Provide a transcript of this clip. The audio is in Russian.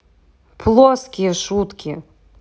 плоские шутки